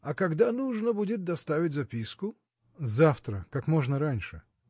А когда нужно будет доставить записку? -- Завтра, как можно раньше.